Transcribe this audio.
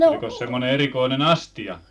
olikos semmoinen erikoinen astia